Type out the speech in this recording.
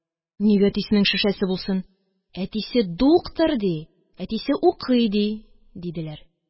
Ник әтисенең шешәсе булсын, әтисе дуктыр, ди, әтисе укый, ди, – диделәр.